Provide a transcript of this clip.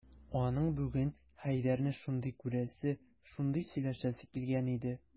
Аның бүген Хәйдәрне шундый күрәсе, шундый сөйләшәсе килгән иде...